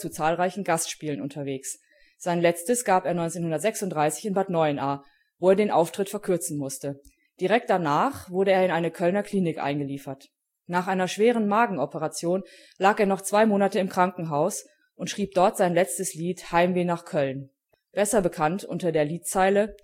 zahlreichen Gastspielen unterwegs; sein letztes gab er 1936 in Bad Neuenahr, wo er den Auftritt verkürzen musste. Direkt danach wurde er in eine Kölner Klinik eingeliefert. Nach einer schweren Magenoperation lag er noch zwei Monate im Krankenhaus und schrieb dort sein letztes Lied Heimweh nach Köln, besser bekannt unter der Liedzeile